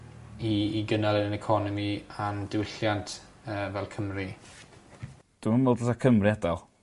I i gynnal 'yn economi a'n diwylliant yy fel Cymru. Dwi'm yn meddwl dyle Cymru adel.